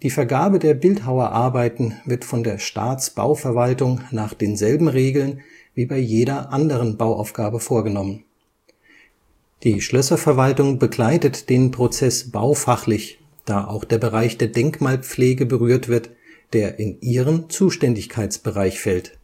Vergabe der Bildhauerarbeiten wird von der Staatsbauverwaltung nach denselben Regeln wie bei jeder anderen Bauaufgabe vorgenommen; die Schlösserverwaltung begleitet den Prozess baufachlich, da auch der Bereich der Denkmalpflege berührt wird, der in ihren Zuständigkeitsbereich fällt